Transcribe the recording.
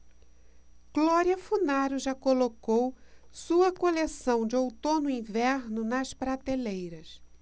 glória funaro já colocou sua coleção de outono-inverno nas prateleiras